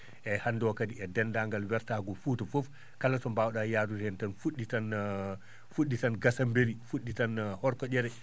eeyi hannde o kadi e denndaangal wertago Fouta foof kala to mbaw?a yaadude heen tan fu??i tan fu??i tan Gassambiri fu??i tan Orkodiéré